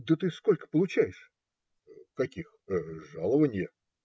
Да ты сколько получаешь? - Каких? Жалованья?